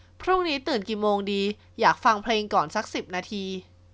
พรุ่งนี้ตื่นกี่โมงดีอยากฟังเพลงก่อนซักสิบนาที